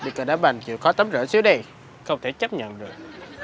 đi coi đá banh chịu khó tắm rửa xíu đi không thể chấp nhận được